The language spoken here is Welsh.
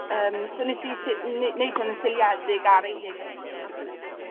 Yym so nes i sei- neu- neud hwn yn seiliedig ar ei hen hen hen d'cu hi.